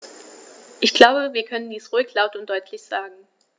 Ich glaube, wir können dies ruhig laut und deutlich sagen.